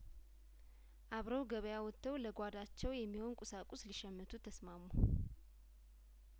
አብረው ገበያ ወጥተው ለጓዳቸው የሚሆን ቁሳቁስ ሊሸምቱ ተስማሙ